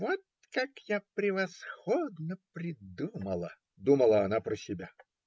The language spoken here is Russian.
"Вот как я превосходно придумала", - думала она про себя.